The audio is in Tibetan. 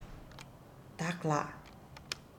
བདག ལ